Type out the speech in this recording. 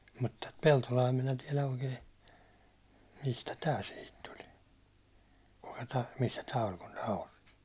mutta tätä Peltolaa minä tiedä oikein mistä tämä siihen tuli kuka tämä missä tämä oli kun nämä -